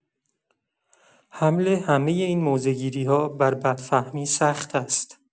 حمل همۀ این موضع‌گیری‌ها بر بدفهمی سخت است.